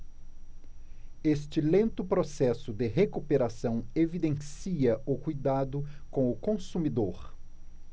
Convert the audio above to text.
este lento processo de recuperação evidencia o cuidado com o consumidor